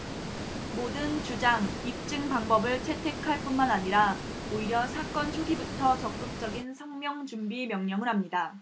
모든 주장 입증 방법을 채택할 뿐만 아니라 오히려 사건 초기부터 적극적인 석명준비 명령을 합니다